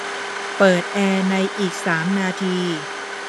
เปิดแอร์ในอีกสามนาที